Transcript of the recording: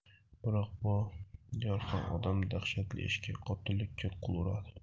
biroq bu yorqin odam dahshatli ishga qotillikka qo'l urdi